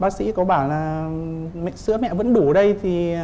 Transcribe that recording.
bác sĩ có bảo là ừm sữa mẹ vẫn đủ đây thì àm